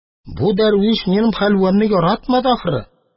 «бу дәрвиш минем хәлвәмне яратмады, ахры.